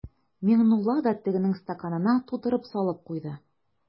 Миңнулла да тегенең стаканына тутырып салып куйды.